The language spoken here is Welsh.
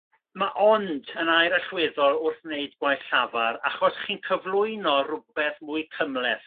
Ma' ond yn air allweddol wrth wneud gwaith llafar achos chi'n cyflwyno rwbeth mwy cymhleth